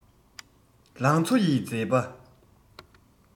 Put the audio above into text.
ལང ཚོ ཡི མཛེས པ